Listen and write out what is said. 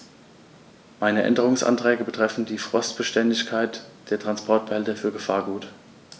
Meine Änderungsanträge betreffen die Frostbeständigkeit der Transportbehälter für Gefahrgut.